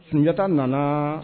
Sunjatajata nana